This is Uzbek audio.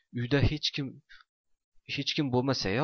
uyda hech kim bo'lmasaya